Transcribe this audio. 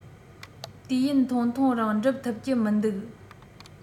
དུས ཡུན ཐུང ཐུང རིང འགྲུབ ཐུབ ཀྱི མི འདུག